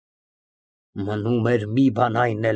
Նկատում է Բագրատի պատրաստությունը)։ Այդ ո՞ւր ես պատրաստվում։